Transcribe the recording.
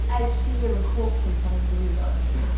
Ed Sheeran court case ar ein dwylo ni.